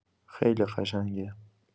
خیلی قشنگه.